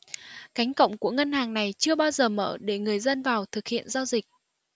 cánh cổng của ngân hàng này chưa bao giờ mở để người dân vào thực hiện giao dịch